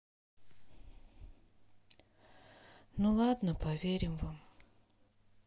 ну ладно поверим вам